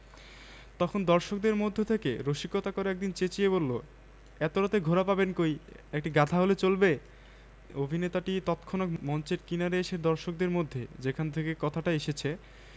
স্বাক্ষর collected from intermediate Bangla Bengali Clinton B Seely